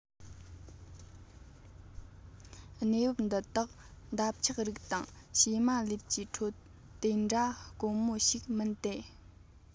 གནས བབ འདི དག འདབ ཆགས རིགས དང ཕྱེ མ ལེབ ཀྱི ཁྲོད དེ འདྲ དཀོན མོ ཞིག མིན ཏེ